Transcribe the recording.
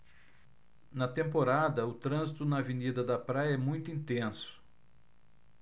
na temporada o trânsito na avenida da praia é muito intenso